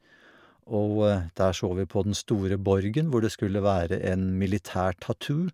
Og der så vi på den store borgen hvor det skulle være en militærtattoo.